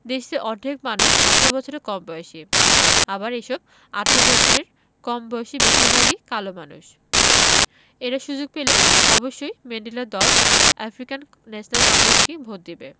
দেশটির অর্ধেক মানুষ ১৮ বছরের কম বয়সী আবার এসব ১৮ বছরের কম বয়সীর বেশির ভাগই কালো মানুষ এরা সুযোগ পেলে অবশ্যই ম্যান্ডেলার দল আফ্রিকান ন্যাশনাল কংগ্রেসকেই ভোট দেবে